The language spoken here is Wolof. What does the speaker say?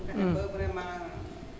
fexe ba vraiment